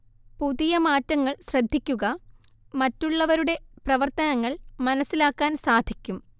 പുതിയ മാറ്റങ്ങൾ ശ്രദ്ധിക്കുക മറ്റുള്ളവരുടെ പ്രവർത്തനങ്ങൾ മനസിലാക്കാൻ സാധിക്കും